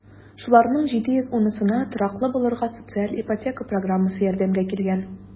Шуларның 710-сына тораклы булырга социаль ипотека программасы ярдәмгә килгән.